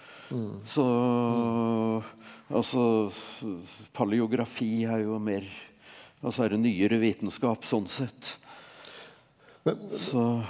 så altså paleografi er jo en mer altså er en nyere vitenskap sånn sett så.